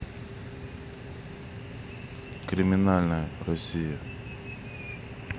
криминальная россия